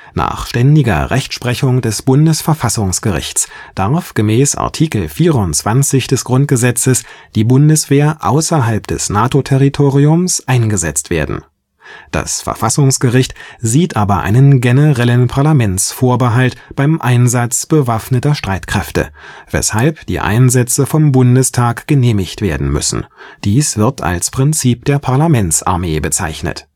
Nach ständiger Rechtsprechung des Bundesverfassungsgerichts darf gemäß Art. 24 GG die Bundeswehr außerhalb des NATO-Territoriums eingesetzt werden. Das Verfassungsgericht sieht aber einen generellen Parlamentsvorbehalt beim „ Einsatz bewaffneter Streitkräfte “, weshalb die Einsätze vom Bundestag genehmigt werden müssen; dies wird als Prinzip der Parlamentsarmee bezeichnet